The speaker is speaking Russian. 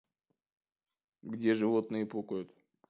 где животные пукают